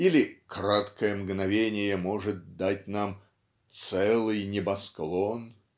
или "краткое мгновение может дать нам. целый небосклон"